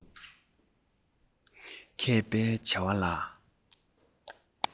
མཁས པའི བྱ བ ལ